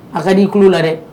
A ka di i kulo la dɛ!